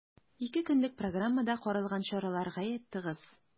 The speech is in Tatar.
Ике көнлек программада каралган чаралар гаять тыгыз.